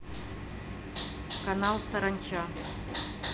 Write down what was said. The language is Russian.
канал саранча